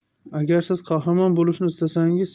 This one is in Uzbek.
agar siz qahramon bo'lishni istasangiz